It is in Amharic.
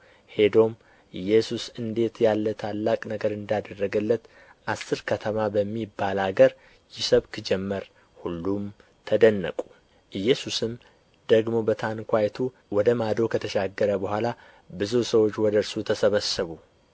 ሄዶም ኢየሱስ እንዴት ያለ ታላቅ ነገር እንዳደረገለት አሥር ከተማ በሚባል አገር ይሰብክ ጀመር ሁሉም ተደነቁ ኢየሱስም ደግሞ በታንኳይቱ ወደ ማዶ ከተሻገረ በኋላ ብዙ ሰዎች ወደ እርሱ ተሰበሰቡ